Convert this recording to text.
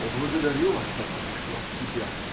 -- О, благодарю вас, она пришла в себя.